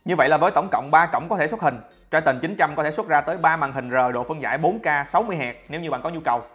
như vậy là với tổng cộng cổng có thể xuất hình triton có thể xuất ra tới màn hình rời độ phân giải k hz nếu như bạn có nhu cầu